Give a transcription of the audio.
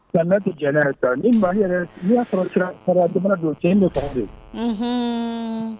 Y'a sɔrɔ don bɛ